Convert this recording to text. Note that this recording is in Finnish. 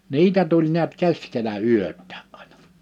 niitä tuli näet keskellä yötäkin aina